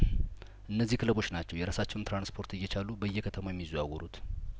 እነዚህ ክለቦች ናቸው የራሳቸውን ትራንስፖርት እየቻሉ በየከተማው የሚዘዋወሩት